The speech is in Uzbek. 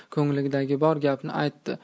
ko'nglidagi bor gapni aytdi